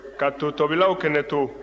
ka totobilaw kɛnɛ to